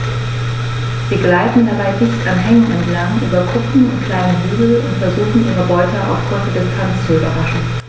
Sie gleiten dabei dicht an Hängen entlang, über Kuppen und kleine Hügel und versuchen ihre Beute auf kurze Distanz zu überraschen.